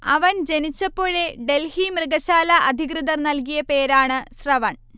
അവൻ ജനിച്ചപ്പോഴേ ഡൽഹി മൃഗശാലാ അധികൃതർ നൽകിയ പേരാണ് ശ്രവൺ